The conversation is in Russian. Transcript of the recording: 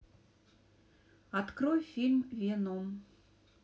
открой фильм веном